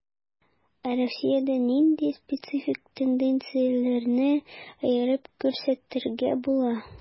Ә Россиядә нинди специфик тенденцияләрне аерып күрсәтергә була?